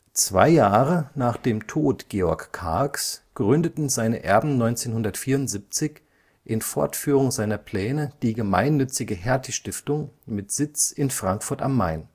Zwei Jahre nach dem Tod Georg Kargs gründeten seine Erben 1974 in Fortführung seiner Pläne die gemeinnützige Hertie-Stiftung mit Sitz in Frankfurt am Main